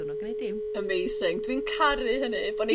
Diwrnod gneud dim. Amazing dwi'n caru hynny bo' ni...